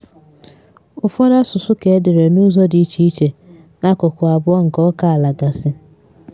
Ụfọdụ asụsụ ka edere n’ụzọ dị iche n’akụkụ abụọ nke ókèala mba gasị.